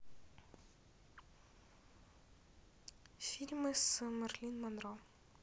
фильмы с мерлин монро